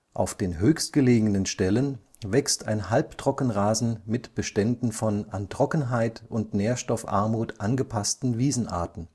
Auf den höchstgelegenen Stellen wächst ein Halbtrockenrasen mit Beständen von an Trockenheit und Nährstoffarmut angepassten Wiesenarten